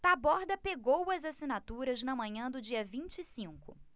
taborda pegou as assinaturas na manhã do dia vinte e cinco